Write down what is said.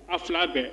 A 2 bɛɛ